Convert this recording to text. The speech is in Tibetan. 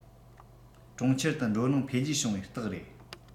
གྲོང ཁྱེར དུ འགྲོ ནང འཕེལ རྒྱས བྱུང བའི རྟགས རེད